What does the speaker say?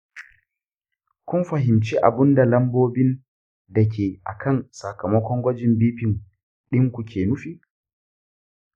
kun fahimci abunda lambobin da ke akan sakamakon gwajin bp ɗinku ke nufi?